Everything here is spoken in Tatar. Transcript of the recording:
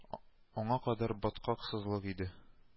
Аңа кадәр баткак, сазлык иде